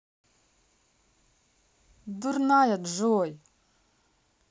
дурная джой